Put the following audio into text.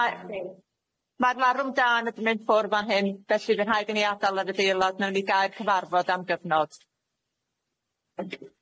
Ma' ma'r larwm dân wedi mynd ffwr' fan hyn felly by' rhaid i ni adal yr adeulad, nawn ni gau'r cyfarfod am gyfnod.